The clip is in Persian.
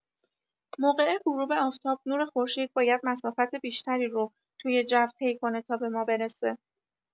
موقع غروب آفتاب، نور خورشید باید مسافت بیشتری رو توی جو طی کنه تا به ما برسه.